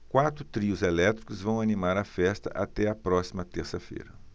quatro trios elétricos vão animar a festa até a próxima terça-feira